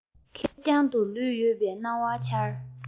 ཁེར རྐྱང དུ ལུས ཡོད པའི སྣང བ འཆར